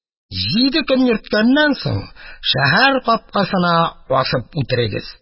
Җиде көн йөрткәннән соң, шәһәр капкасына асып үтерегез.